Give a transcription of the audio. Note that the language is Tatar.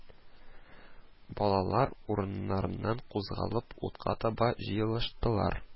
Балалар, урыннарыннан кузгалып, утка таба җыелыштылар